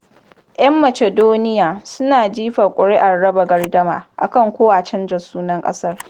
‘Yan Macedonia suna jefa kuri’ar raba gardama a kan ko a canza sunan ƙasar